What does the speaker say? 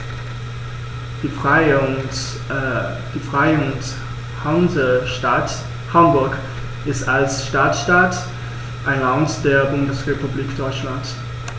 Die Freie und Hansestadt Hamburg ist als Stadtstaat ein Land der Bundesrepublik Deutschland.